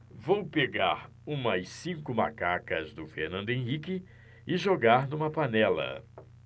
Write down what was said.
vou pegar umas cinco macacas do fernando henrique e jogar numa panela